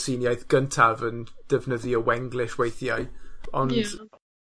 sy'n iaith gyntaf yn defnyddio Wenglish weithiau ond... Ie.